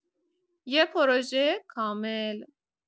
یه پروژه کامل